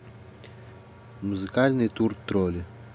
музыкальный тур тролли